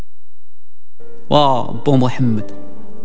ابو محمد